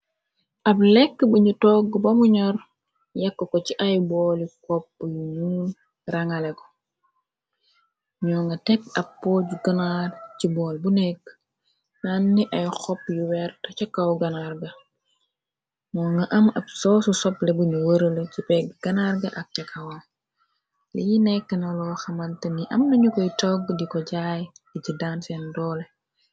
Ab lekk buñu togg bamu ñor yakk ko ci ay booli kopp yu ñu rangale ko ñoo nga tekk ab pooju ganaar ci bool bu nekk nànni ay xopp yu wertu ca kaw ganarga moo nga am ab soosu sople buñu wërale ci pegg ganarga ak ca kawam li nekk na loo xamalte ni am nañu koy togg di ko jaay di ci dan seen doole.